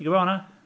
Ti'n gwybod honna?